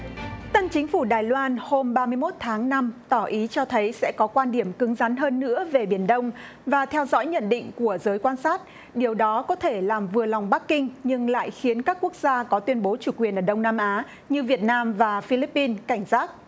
tân chính phủ đài loan hôm ba mươi mốt tháng năm tỏ ý cho thấy sẽ có quan điểm cứng rắn hơn nữa về biển đông và theo dõi nhận định của giới quan sát điều đó có thể làm vừa lòng bắc kinh nhưng lại khiến các quốc gia có tuyên bố chủ quyền ở đông nam á như việt nam và phi líp pin cảnh giác